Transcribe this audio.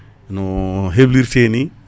no heblirte ni